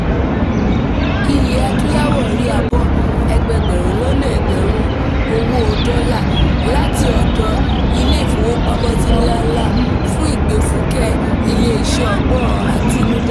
Ilẹ̀-Adúláwọ̀ rí àbọ̀ ẹgbẹẹgbẹ̀rún-lọ́nà-ẹgbẹ̀rún owóo dollar láti ọ̀dọ̀ Ilé-ìfowópamọ́sí ńláńlá fún ìgbéfúkẹ́ Iléeṣẹ́ ọgbọ́n àtinudá